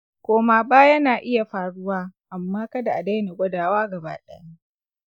koma-baya na iya faruwa, amma kada a daina gwadawa gaba ɗaya.